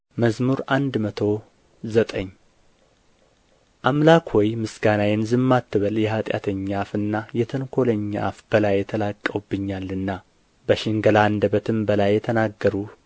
መዝሙር መቶ ዘጠኝ አምላክ ሆይ ምሥጋናዬን ዝም አትበል የኃጢአተኛ አፍና የተንኰለኛ አፍ በላዬ ተላቅቀውብኛልና በሽንገላ አንደበትም በላዬ ተናገሩ